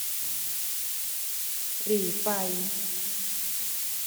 หรี่ไฟ